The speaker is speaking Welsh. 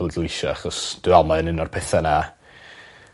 bleidleisio achos dwi me'wl mae o'n un o'r petha 'na